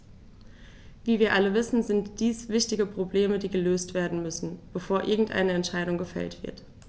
Wie wir alle wissen, sind dies wichtige Probleme, die gelöst werden müssen, bevor irgendeine Entscheidung gefällt wird.